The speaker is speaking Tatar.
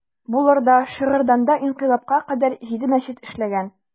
Булыр да, Шыгырданда инкыйлабка кадәр җиде мәчет эшләгән.